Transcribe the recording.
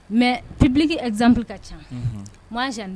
Mais public exemple ka ca, unhun, moi j _